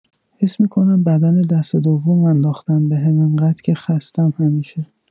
حس می‌کنم بدن دسته دوم انداختن بهم انقدر که خستم همیشه